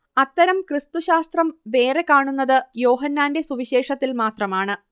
അത്തരം ക്രിസ്തുശാസ്ത്രം വേറെ കാണുന്നത് യോഹന്നാന്റെ സുവിശേഷത്തിൽ മാത്രമാണ്